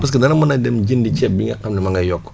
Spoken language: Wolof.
parce que dana mën a dem jëndi ceeb bi nga xam ne ma ngay yokk